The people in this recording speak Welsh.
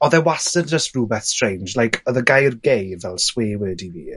odd e wastad y' jys rwbeth strange like odd y gair gay fel swear word i fi.